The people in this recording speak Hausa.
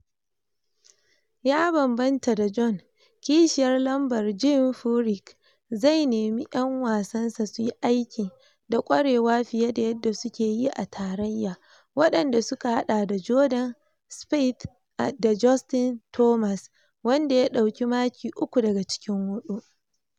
Ya bambanta da Bjorn, kishiyar lambar Jim Furyk zai nemi 'yan wasansa suyi aiki da kwarewa fiye da yadda suke yi a tarayya, waɗanda suka hada da Jordan Spieth da Justin Thomas, wanda ya dauki maki uku daga cikin hudu.